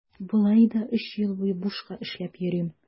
Болай да өч ел буе бушка эшләп йөрим.